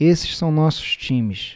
esses são nossos times